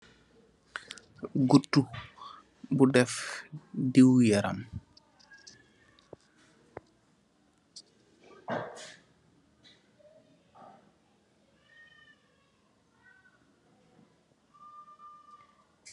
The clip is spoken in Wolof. Gutu, bu def, diw yaram.